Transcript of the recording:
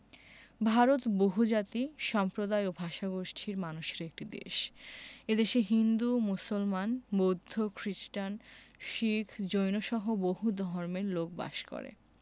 ভারত বহুজাতি সম্প্রদায় ও ভাষাগোষ্ঠীর মানুষের একটি দেশ এ দেশে হিন্দু মুসলমান বৌদ্ধ শিখ খ্রিস্টান জৈনসহ বহু ধর্মের লোক বাস করে